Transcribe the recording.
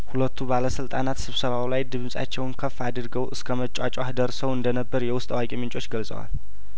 ሁለቱ ባለስልጣናት ስብሰባው ላይ ድምጻቸውን ከፍ አድርገው እስከ መጯጯህ ደርሰው እንደነበረ የውስጥ አዋቂ ምንጮች ገልጸዋል